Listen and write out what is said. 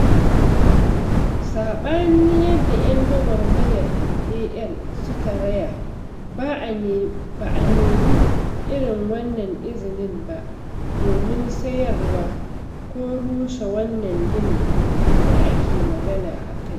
Saɓanin yadda 'yan gwagwarmayar AL suka raya, ba a nemi irin wannan izinin ba domin sayarwa ko rushe wannan ginin da ake magana a kai.